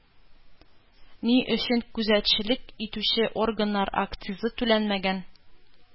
Ни өчен күзәтчелек итүче органнар акцизы түләнмәгән